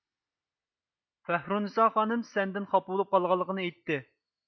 فەھرونىسا خانىم سەندىن خاپا بولۇپ قالغانلىقىنى ئېيتتى